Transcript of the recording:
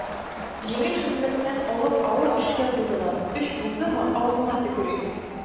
Җиңел хезмәттән алып авыр эшкә куйдылар, өч булдымы, авызыңа төкерим.